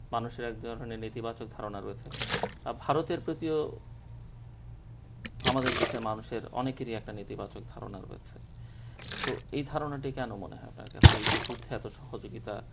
মানুষের এক ধরনের নেতিবাচক ধারণা রয়েছে ভারতের প্রতিও আমাদের দেশের মানুষের অনেকেরই একটা নেতিবাচক ধারণা রয়েছে তো এ ধারণাটি কেন মনে হয় আপনার কাছে এই যে যুদ্ধে এত সহযোগিতা